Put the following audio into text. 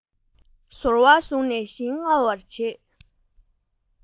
ཟོར བ བཟུང ནས ཞིང རྔ བར བྱེད